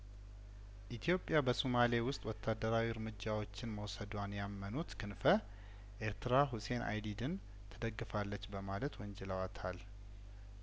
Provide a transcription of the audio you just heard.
ኢትዮጵያበሱማሌ ውስጥ ወታደራዊ እርምጃዎችን መውሰዷን ያመኑት ክንፈ ኤርትራ ሁሴን አይዲድንት ደግፋለች በማለት ወንጅለዋታል